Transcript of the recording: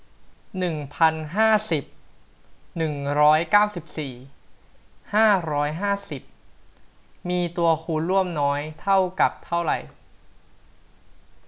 หนึ่งพันห้าสิบหนึ่งร้อยเก้าสิบสี่ห้าร้อยห้าสิบมีตัวคูณร่วมน้อยเท่ากับเท่าไหร่